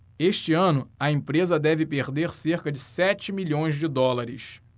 este ano a empresa deve perder cerca de sete milhões de dólares